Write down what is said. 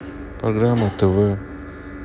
программа тв